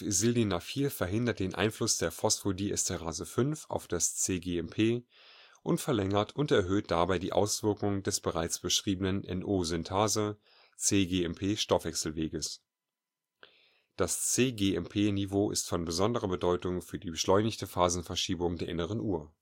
Sildenafil verhindert den Einfluss der Phosphodiesterase-5 auf das cGMP und verlängert und erhöht dabei die Auswirkung des oben beschriebenen NO-Synthase/cGMP-Stoffwechselweges. Das cGMP-Niveau ist von besonderer Bedeutung für die beschleunigte Phasenverschiebung der inneren Uhr